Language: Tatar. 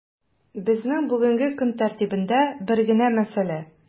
Безнең бүгенге көн тәртибендә бер генә мәсьәлә: